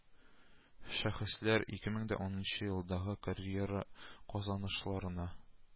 Шәхесләр ике меңдә унынчы елдагы карьера казанышларына